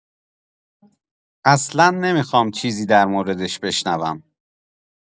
اصلا نمیخوام چیزی درموردش بشنوم.